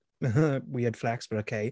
"Uh huh, weird flex but ok?"